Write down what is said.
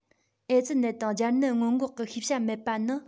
ཨེ ཙི ནད དང སྦྱར ནད སྔོན འགོག གི ཤེས བྱ མེད པ ནི